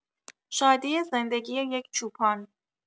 شادی زندگی یک چوپان